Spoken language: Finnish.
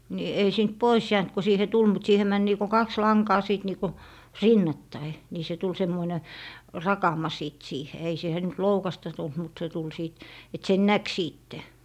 niin ei siitä pois jäänyt kun siihen tuli siihen meni niin kuin kaksi lankaa sitten niin kuin rinnattain niin se tuli semmoinen rakama sitten siihen ei siihen nyt loukasta tullut mutta se tuli sitten että sen näki sitten